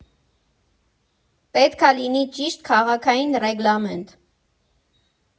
Պետք ա լինի ճիշտ քաղաքային ռեգլամենտ։